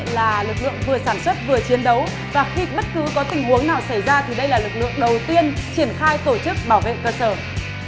là lực lượng vừa sản xuất vừa chiến đấu và khi bất cứ có tình huống nào xảy ra thì đây là lực lượng đầu tiên triển khai tổ chức bảo vệ cơ sở